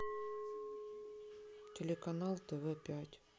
телеканал тв пять